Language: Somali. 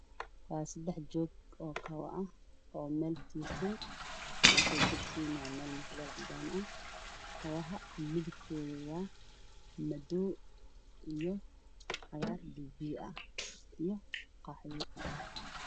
Waa seddex joog oo kabo ah oo mutuleel cadaan ah kutiirsan, kabaha midabkoodu waa madow iyo cagaar biyobiyo ah iyo qaxwi.